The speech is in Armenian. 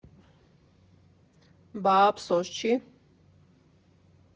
Բա ափսոս չի՞